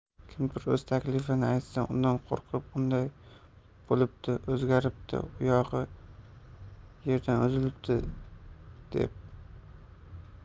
kimdir o'z taklifini aytsa undan qo'rqib unday bo'libdi o'zgaribdi oyog'i yerdan uzilibdi deb